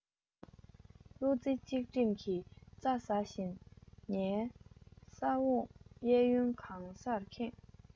བློ རྩེ གཅིག སྒྲིམ གྱིས རྩྭ ཟ བཞིན ངའི སར འོང གཡས གཡོན གང སར ཁེངས